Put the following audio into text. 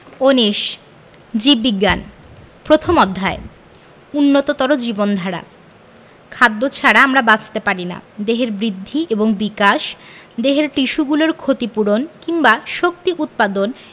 ১৯ জীববিজ্ঞান প্রথম অধ্যায় উন্নততর জীবনধারা খাদ্য ছাড়া আমরা বাঁচতে পারি না দেহের বৃদ্ধি এবং বিকাশ দেহের টিস্যুগুলোর ক্ষতি পূরণ কিংবা শক্তি উৎপাদন